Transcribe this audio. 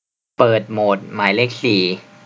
เปิดโหมดหมายเลขสี่